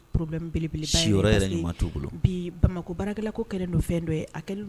Bamakɔ ko don